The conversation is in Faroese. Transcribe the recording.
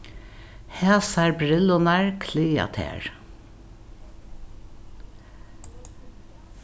hasar brillurnar klæða tær